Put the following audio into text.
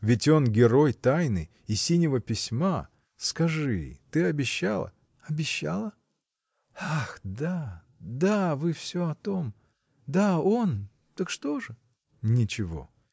— Ведь он — герой тайны и синего письма! Скажи — ты обещала. — Обещала? Ах да — да, вы всё о том. Да, он: так что же? — Ничего!